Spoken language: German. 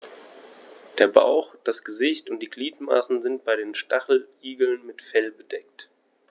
Der Bauch, das Gesicht und die Gliedmaßen sind bei den Stacheligeln mit Fell bedeckt.